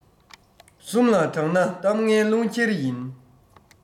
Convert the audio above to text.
གསུམ ལ གྲགས ན གཏམ ངན རླུང ཁྱེར ཡིན